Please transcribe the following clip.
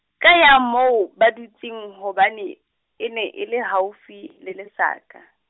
ka ya moo ba dutseng, hobane e ne e le haufi le lesaka.